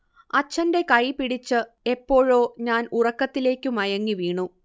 അച്ഛന്റെ കൈപിടിച്ച് എപ്പോഴോ ഞാൻ ഉറക്കത്തിലേക്കു മയങ്ങിവീണു